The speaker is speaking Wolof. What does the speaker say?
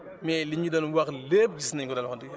mais liñ ñu doon wax lépp gis naén ko daal wax dëgg yàlla